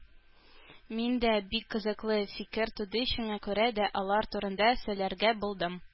Миндә бик кызыклы фикер туды, шуңа күрә дә алар турында сөйләргә булдым